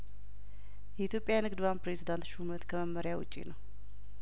የኢትዮጵያ ንግድ ባንክ ፕሬዚዳንት ሹመት ከመመሪያ ውጪ ነው